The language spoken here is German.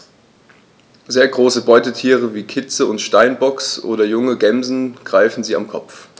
Sehr große Beutetiere wie Kitze des Steinbocks oder junge Gämsen greifen sie am Kopf.